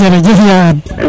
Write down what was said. jerejef Ya Ad